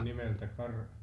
nimeltä -